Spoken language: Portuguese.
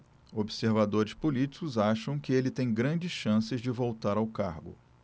observadores políticos acham que ele tem grandes chances de voltar ao cargo